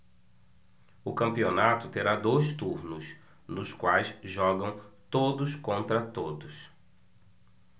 o campeonato terá dois turnos nos quais jogam todos contra todos